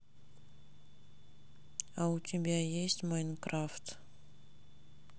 а у тебя есть майнкрафт